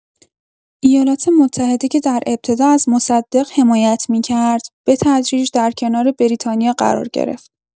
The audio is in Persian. ایالات‌متحده که در ابتدا از مصدق حمایت می‌کرد، به‌تدریج در کنار بریتانیا قرار گرفت.